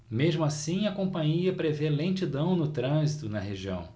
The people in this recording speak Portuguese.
mesmo assim a companhia prevê lentidão no trânsito na região